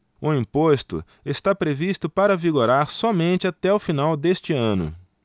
o imposto está previsto para vigorar somente até o final deste ano